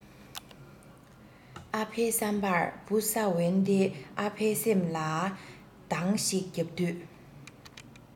ཨ ཕའི བསམ པར བུ ས འོན ཏེ ཨ ཕའི སེམས ལ གདང ཞིག བརྒྱབ དུས